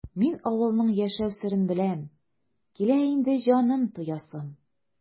Мин авылның яшәү серен беләм, килә инде җанын тоясым!